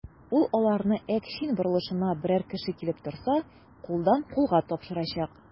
Ул аларны Әкчин борылышына берәр кеше килеп торса, кулдан-кулга тапшырачак.